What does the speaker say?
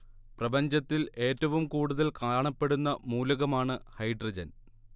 പ്രപഞ്ചത്തിൽ ഏറ്റവും കൂടുതൽ കാണപ്പെടുന്ന മൂലകമാണ് ഹൈഡ്രജൻ